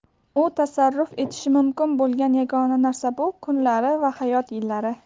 u tasarruf etishi mumkin bo'lgan yagona narsa bu kunlari va hayot yillari